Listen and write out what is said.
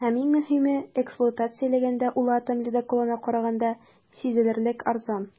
Һәм, иң мөһиме, эксплуатацияләгәндә ул атом ледоколына караганда сизелерлек арзан.